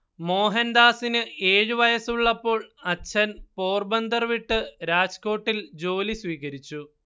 മോഹൻദാസിന് ഏഴു വയസ്സുള്ളപ്പോൾ അച്ഛൻ പോർബന്ദർ വിട്ട് രാജ്കോട്ടിൽ ജോലി സ്വീകരിച്ചു